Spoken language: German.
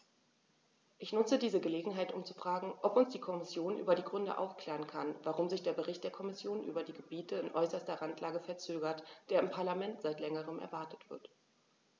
Ich nutze diese Gelegenheit, um zu fragen, ob uns die Kommission über die Gründe aufklären kann, warum sich der Bericht der Kommission über die Gebiete in äußerster Randlage verzögert, der im Parlament seit längerem erwartet wird.